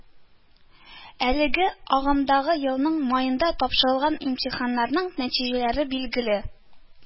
Әлегә агымдагы елның маенда тапшырылган имтиханнарның нәтиҗәләре билгеле